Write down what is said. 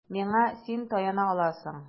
Миңа син таяна аласың.